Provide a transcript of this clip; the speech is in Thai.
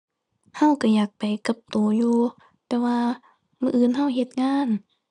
เราเราอยากไปกับโตอยู่ แต่ว่ามื้ออื่นเราเฮ็ดงาน